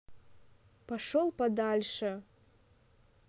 пошел подальше